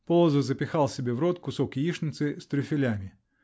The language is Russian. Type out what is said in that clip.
-- Полозов запихал себе в рот кусок яичницы с трюфелями .